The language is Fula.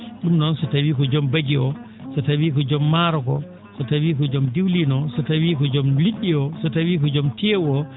?um noon so tawii ko joom bagi oo so tawi ko joom maaro ko so tawi ko joom diwlin o so tawi ko joom li??i o so tawi ko joom tew o